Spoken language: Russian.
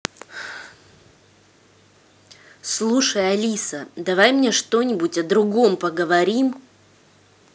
слушай алиса давай мне что нибудь о другом поговорим